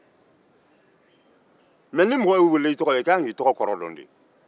mɛ ni mɔgɔ y'i weele i tɔgɔ la i ka kan k'i tɔgɔ kɔrɔ dɔn de